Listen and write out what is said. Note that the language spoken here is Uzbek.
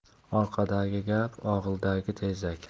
orqadagi gap og'ildagi tezak